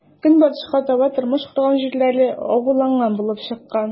Көнбатышка таба тормыш корган җирләре агуланган булып чыккан.